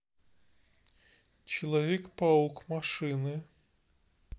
человек паук машины